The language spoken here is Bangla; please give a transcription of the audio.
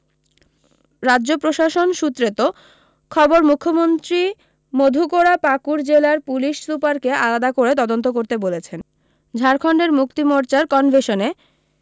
রাজ্য প্রশাসন সূত্রেত খবর মুখ্যমন্ত্রী মধু কোড়া পাকূড় জেলার পুলিশ সুপারকে আলাদা করে তদন্ত করতে বলেছেন ঝাড়খণ্ড মুক্তি মোর্চার কনভেশনে